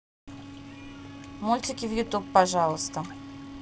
мультики в ютубе пожалуйста